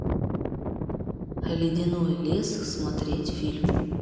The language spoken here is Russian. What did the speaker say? ледяной лес смотреть фильм